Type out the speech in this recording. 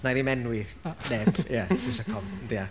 Wna i ddim enwi neb, ia jyst rhag ofn. Ond ia.